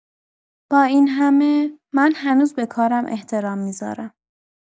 با این همه، من هنوز به کارم احترام می‌ذارم.